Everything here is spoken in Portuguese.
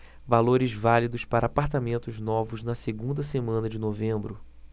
valores válidos para apartamentos novos na segunda semana de novembro